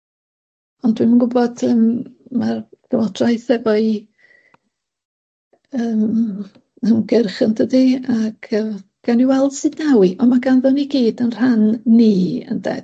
ond dwi'm yn gwybod yym ma'r llywodraeth efo'i yym ymgyrch yndydi? Ag yy gawn ni weld sut daw 'i on' ma' ganddon ni gyd 'yn rhan ni ynde?